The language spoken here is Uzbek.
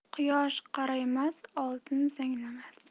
quyosh qoraymas oltin zanglamas